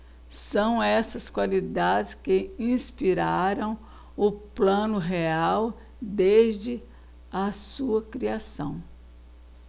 são essas qualidades que inspiraram o plano real desde a sua criação